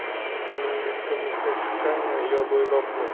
singlingiz turmushga chiqqanmi yo bo'ydoqmi